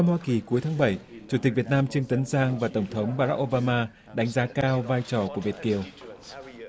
hoa kỳ cuối tháng bảy chủ tịch việt nam trương tấn sang và tổng thống ba rắc ô ba ma đánh giá cao vai trò của việt kiều